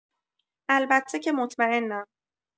البته که مطمئنم.